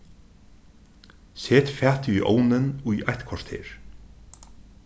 set fatið í ovnin í eitt korter